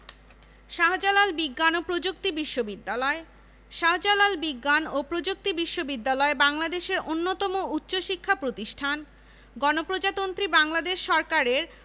যা দেশে এবং বিদেশে দক্ষ জনশক্তি তৈরি করার ক্ষেত্রে গুরুত্বপূর্ণ অবদান রাখছে